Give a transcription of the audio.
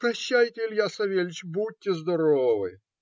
- Прощайте, Илья Савельич, будьте здоровы.